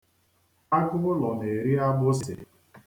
Agụụlọ na-eri agbụsị.